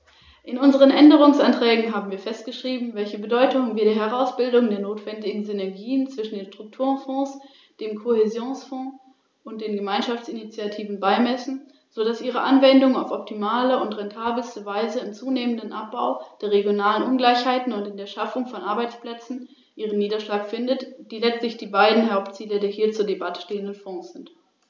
Ich danke Frau Schroedter für den fundierten Bericht.